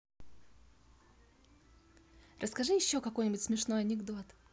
расскажи еще какой нибудь смешной анекдот